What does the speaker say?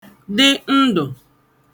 dị ndụ̀